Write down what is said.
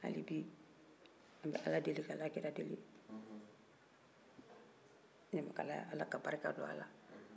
hali bi an bɛ ala deli ka alakira deli ɲamakalaya ala ka barika don a la